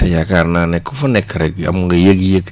te yaakaar naa ne ku fa nekk rek yow am nga yëg-yëg